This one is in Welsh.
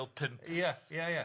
y mil pump... Ia ia...